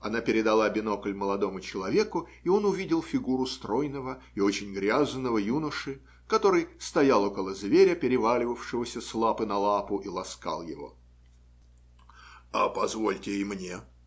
Она передала бинокль молодому человеку, и он увидел фигуру стройного и очень грязного юноши, который стоял около зверя, переваливавшегося с лапы на лапу, и ласкал его. Позвольте и мне,